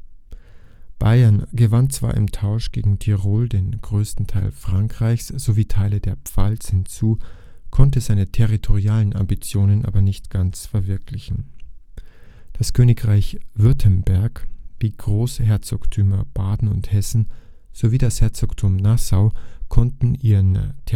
Bayern gewann zwar im Tausch gegen Tirol den größten Teil Frankens sowie Teile der Pfalz hinzu, konnte seine territorialen Ambitionen aber nicht ganz verwirklichen. Das Königreich Württemberg, die Großherzogtümer Baden und Hessen sowie das Herzogtum Nassau konnten ihren Territorialbestand